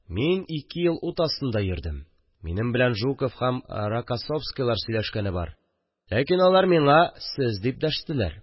Мин ике ел ут астында йөрдем, минем белән Жуков һәм Рокоссовский сөйләшкәне бар, ләкин алар да миңа «сез» дип дәштеләр